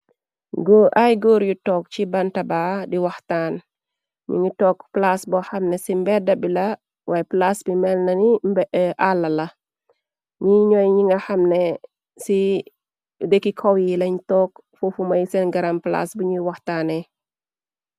goo ay góor yu tokk ci bantaba di waxtaan ñi ngi tokk plaas bo xamne ci mbedda bi la waay plaas bi melnani mb àlla la ñi ñooy ñi nga xamne ci dekki kow yi lañ tokk foofumay seen garam plas biñuy waxtaanee